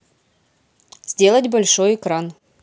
сделать большой экран